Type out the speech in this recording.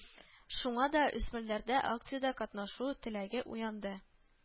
Шуңа да, үсмерләрда акциядә катнашу теләге уянды